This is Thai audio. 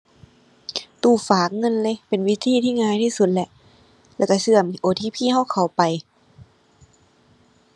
ตู้ฝากเงินเลยเป็นวิธีที่ง่ายที่สุดแล้ว แล้วก็เชื่อม OTP ก็เข้าไป